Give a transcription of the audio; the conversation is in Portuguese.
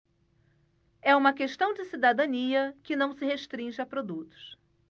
é uma questão de cidadania que não se restringe a produtos